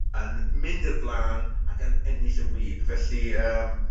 yn mynd i'r bla'n ac yn ennill y wib felly yym